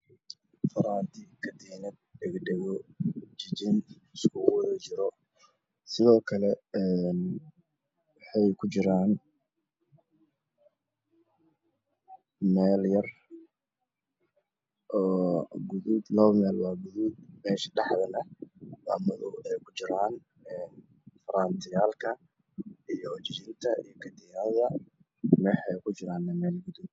Faraanti katiinad jijin dhagdhago oo iskuwada jira sidoo kale waxy ku jiraan meel yar oo labaduba gaduudan mesha dhaxda ahna waa madow ay ku jiraan faraanti halka jijinta kariinada waxay ku jiraan meel gaduud